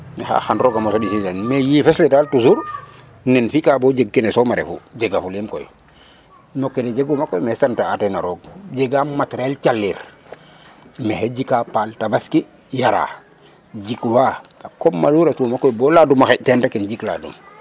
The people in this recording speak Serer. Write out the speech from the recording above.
xan roga mbisi daden mi yifes le dal toujours nen fika bop jeg kene sooma refu jega fulim koy nokene jegume koy mexey sante a tena toog jegam matériel calir mexey jika paal tabaski yara jik wa a koma lu retuma koy bo laduma xeƴ teen rek im jik ladum